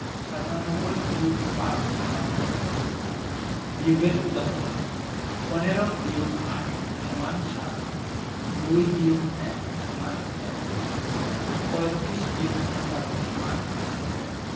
৯৭-৫ = কত বিয়োগের উদাহরণঃ ১৫ – ৮ = ৭ ২ - ১ =১ ৩৫ – ১৮ = ১৭